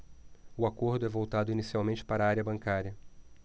o acordo é voltado inicialmente para a área bancária